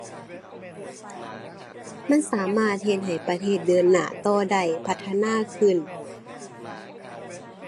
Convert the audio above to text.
มันสามารถเฮ็ดให้ประเทศเดินหน้าต่อได้ พัฒนาขึ้น